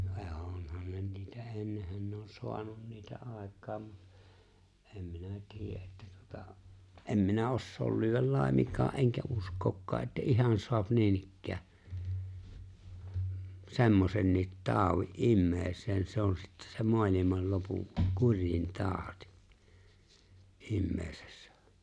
niin onhan ne niitä ennenhän ne on saanut niitä aikaan mutta en minä tiedä että tuota en minä osaa lyödä laiminkaan enkä uskokaan että ihan saa niinikään semmoisenkin taudin ihmiseen se on sitten sen maailman lopun kurjin tauti ihmisessä